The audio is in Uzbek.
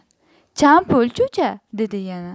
chan pul cho'cha dedi yana